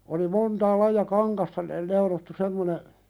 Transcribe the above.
oli montaa lajia kankaista - neulottu semmoinen